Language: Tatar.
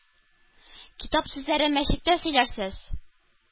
-китап сүзләрен мәчеттә сөйләрсез,